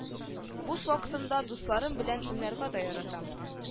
Буш вакытымда дусларым белән уйнарга да яратам